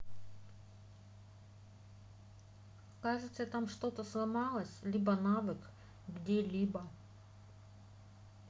кажется там что то сломалось либо навык где либо